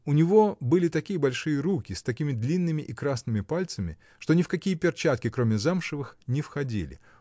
У него были такие большие руки, с такими длинными и красными пальцами, что ни в какие перчатки, кроме замшевых, не входили.